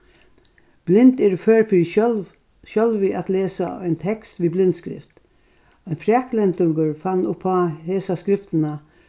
blind eru før fyri sjálv sjálv at lesa ein tekst við blindskrift ein fraklendingur fann uppá hesa skriftina